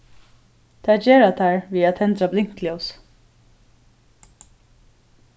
tað gera teir við at tendra blinkljós